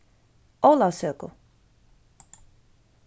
ólavsøku